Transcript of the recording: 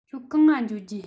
ཁྱོད གང ང འགྱོ རྒྱུ